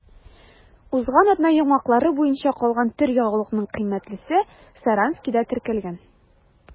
Узган атна йомгаклары буенча калган төр ягулыкның кыйммәтлесе Саранскида теркәлгән.